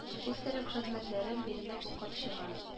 Писарев хезмәтләрен бирелеп укып чыга